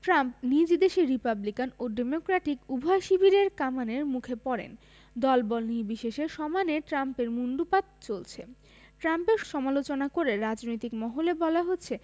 Trump নিজ দেশে Republican ও ডেমোক্রেটিক উভয় শিবিরের কামানের মুখে পড়েন দলবল নির্বিশেষে সমানে ট্রাম্পের মুণ্ডুপাত চলছে ট্রাম্পের সমালোচনা করে রাজনৈতিক মহলে বলা হচ্ছে